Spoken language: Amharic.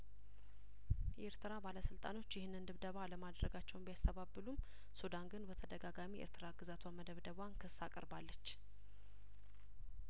የኤርትራ ባለስልጣኖች ይህንን ድብደባ አለማድርጋቸውን ቢያስተባብሉም ሱዳን ግን በተደጋጋሚ ኤርትራ ግዛቷን መደብደቧን ክስ አቅርባለች